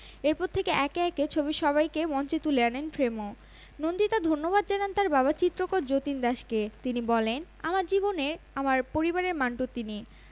এরপর একে একে ছবির সবাইকে মঞ্চে তুলে আনেন ফ্রেমো নন্দিতা ধন্যবাদ জানান তার বাবা চিত্রকর যতীন দাসকে তিনি বলেন আমার জীবনের আমার পরিবারের মান্টো তিনি